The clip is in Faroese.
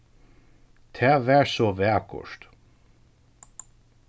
tað var so vakurt